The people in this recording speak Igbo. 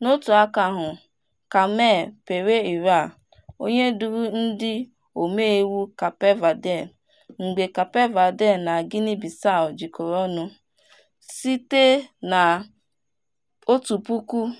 N'otu aka ahụ, Carmen Pereira, onye duru ndị omeiwu Cape Verde (mgbe Cape Verde na Guinea-Bissau jikọrọ ọnụ) site na 1975